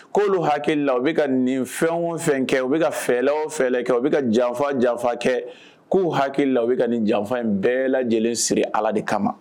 K'olu hakilila u bɛ ka nin fɛn o fɛn kɛ, u bɛ ka fɛn o fɛn kɛ, u bɛ ka janfa o janfa kɛ, k'olu hakilla u bɛ ka nin janfa in bɛɛ lajɛlen siri allah de kama.